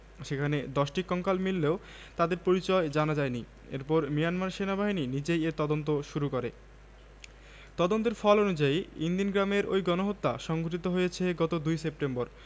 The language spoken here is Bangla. সেখানে ১০টি কঙ্কাল মিললেও তাদের পরিচয় জানা যায়নি এরপর মিয়ানমার সেনাবাহিনী নিজেই এর তদন্ত শুরু করে তদন্তের ফল অনুযায়ী ইনদিন গ্রামের ওই গণহত্যা সংঘটিত হয়েছে গত ২ সেপ্টেম্বর